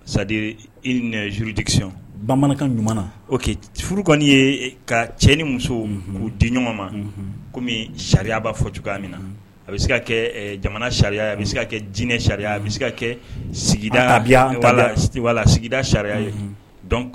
Sauru bamanankan ɲuman o furu kɔni ye ka cɛɲɛni muso k'u di ɲɔgɔn ma kɔmi sariya b'a fɔ cogoya min na a bɛ se ka kɛ jamana sariya a bɛ se ka kɛ jinɛinɛ sariya a bɛ se ka kɛ sigida lawala sigida sariya ye